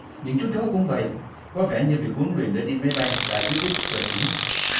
những chú chó cũng vậy có vẻ như việc huấn luyện để đi máy bay đã giúp ích cho chúng